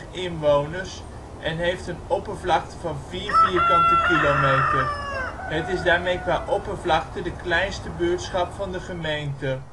inwoners, en heeft een oppervlakte van 4 km². Het is daarmee qua oppervlakte de kleinste buurtschap van de gemeente